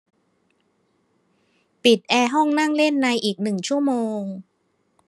ปิดแอร์ห้องนั่งเล่นในอีกหนึ่งชั่วโมง